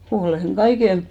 olen kaiken